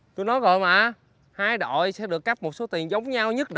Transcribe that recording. tôi nói rồi mà hai đội sẽ được cấp một số tiền giống nhau nhất